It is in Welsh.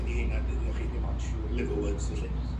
be' 'di rheina dy- gewch chi dim otsh liver wurts felly.